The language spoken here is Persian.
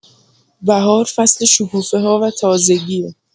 بهار فصل شکوفه‌ها و تازگیه.